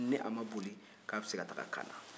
ni a ma boli ko a bɛ se ka taa kaana